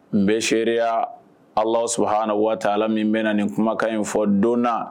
N bɛ seereya ala suhaaa waati ala min bɛ na nin kumakan in fɔ donna